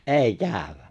ei käydä